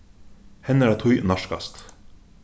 hennara tíð nærkast